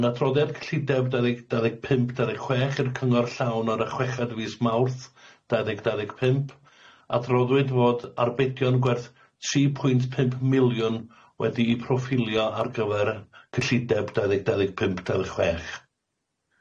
Yn adroddiad cyllideb dau ddeg dau ddeg pump dau ddeg chwech i'r cyngor llawn ar y chweched fis Mawrth dau ddeg dau ddeg pump, adroddwyd fod arbedion gwerth tri pwynt pump miliwn wedi'i proffilio ar gyfer cyllideb dau ddeg dau ddeg pump dau ddeg chwech.